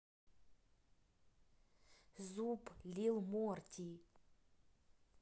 зуб лил морти